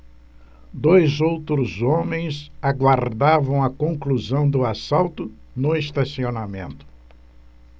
dois outros homens aguardavam a conclusão do assalto no estacionamento